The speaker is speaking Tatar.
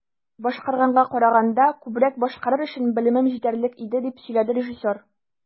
"башкарганга караганда күбрәк башкарыр өчен белемем җитәрлек иде", - дип сөйләде режиссер.